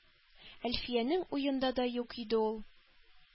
Әлфиянең уенда да юк иде ул.